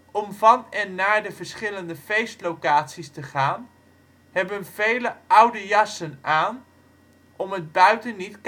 Om van en naar de verschillende feestlocaties te gaan, hebben velen oude jassen aan om het buiten niet